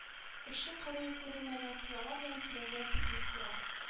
Очы-кырые күренмәгән пыяла белән төренгән теплицалар